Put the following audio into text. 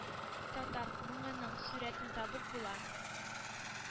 Татар моңының сурәтен табып була.